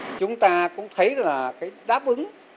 chúng ta cũng thấy là cái đáp ứng